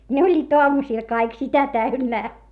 ne olivat aamusilla kaikki sitä täynnä